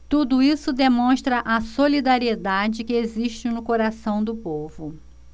tudo isso demonstra a solidariedade que existe no coração do povo